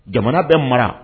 Jamana bɛ mara